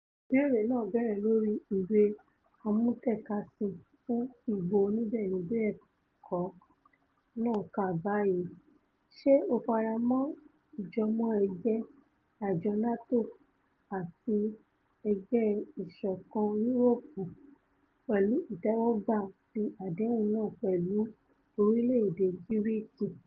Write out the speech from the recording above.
Ìbéèrè náà lóri ìwé àmútẹ̀kasí fún ìbò oníbẹ́ẹ̀ni-bẹ́ẹ̀kọ́ náà kà báyìí: ''Ṣé o faramọ́ ìjọ́mọ-ẹgbẹ́ àjọ NATO àti EU pẹ̀lú ìtẹ́wọ́gbà ti àdéhùn náà pẹ̀lú orílẹ̀-èdè Gíríkì.''.